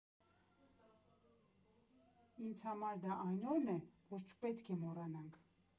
Ինձ համար դա այն օրն է, որ չպետք է մոռանանք։